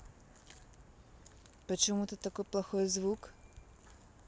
почему такой плохой звук